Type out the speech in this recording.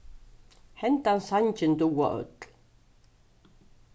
hendan sangin duga øll